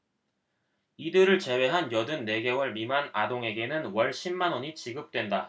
이들을 제외한 여든 네 개월 미만 아동에게는 월 십 만원이 지급된다